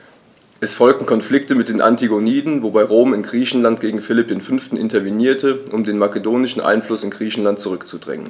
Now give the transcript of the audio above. Es folgten Konflikte mit den Antigoniden, wobei Rom in Griechenland gegen Philipp V. intervenierte, um den makedonischen Einfluss in Griechenland zurückzudrängen.